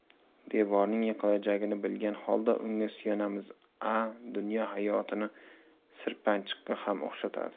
devorning yiqilajagini bilgan holda unga suyanamiz a dunyo hayotini sirpanchiqqa ham o'xshatadi